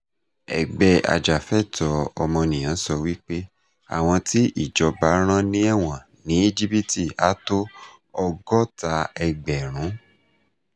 Ẹgbẹ́ ajàfúnẹ̀tọ́ ọmọnìyàn sọ wípé, àwọn tí ìjọba rán ní ẹ̀wọ̀n ní Íjípìtì á tó 60,000.